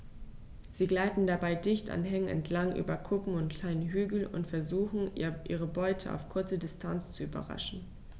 Sie gleiten dabei dicht an Hängen entlang, über Kuppen und kleine Hügel und versuchen ihre Beute auf kurze Distanz zu überraschen.